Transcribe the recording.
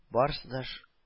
Барысы да